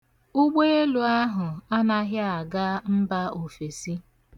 Ụgbeelu ahụ anaghị aga mba ofesi.